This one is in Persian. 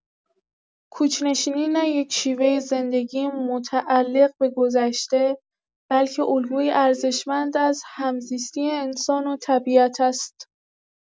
کوچ‌نشینی نه یک شیوه زندگی متعلق به گذشته، بلکه الگویی ارزشمند از همزیستی انسان و طبیعت است.